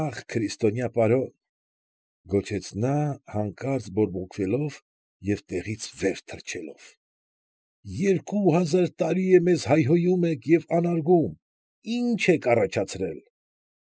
Ա՜խ, քրիստոնյա պարոն,֊ գոչեց նա, հանկարծ բորբոքվելով և տեղից վեր թռչելով,֊ երկու հազար տարի է մեզ հայհոյում եք և անարգում, ի՞նչ եք առաջացրել,